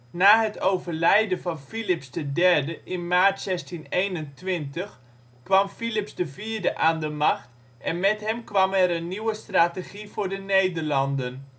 Na het overlijden van Filips III in maart 1621, kwam Filips IV aan de macht en met hem kwam er een nieuwe strategie voor de Nederlanden